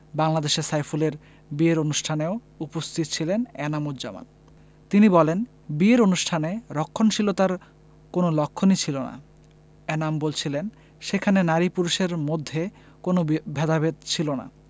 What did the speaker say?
বাংলাদেশে সাইফুলের বিয়ের অনুষ্ঠানেও উপস্থিত ছিলেন এনাম উজজামান তিনি বলেন বিয়ের অনুষ্ঠানে রক্ষণশীলতার কোনো লক্ষণই ছিল না এনাম বলছিলেন সেখানে নারী পুরুষের মধ্যে কোনো ভেদাভেদ ছিল না